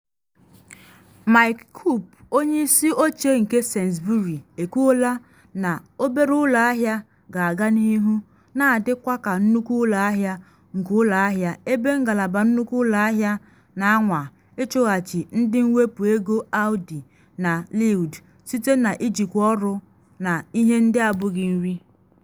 Mike Coupe, onye isi oche nke Sainsbury, ekwuola na obere ụlọ ahịa ga-aga n’ihu n adịkwa ka nnukwu ụlọ ahịa nke ụlọ ahịa ebe ngalaba nnukwu ụlọ ahịa na anwa ịchụghachi ndị mwepu ego Aldi na Lidl site na ijikwu ọrụ na ihe ndị abụghị nri.